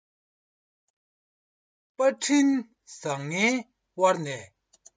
པར འཕྲིན བཟང ངན དབར ནས